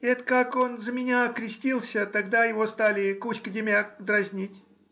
это как он за меня крестился, тогда его стали Куська-Демяк дразнить.